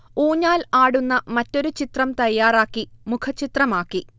ഊഞ്ഞാൽ ആടുന്ന മറ്റൊരു ചിത്രം തയാറാക്കി മുഖച്ചിത്രമാക്കി